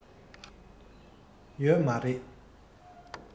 ཡོད མ རེད